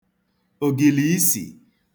ògìlìisì